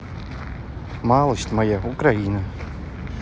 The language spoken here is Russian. малость моя украина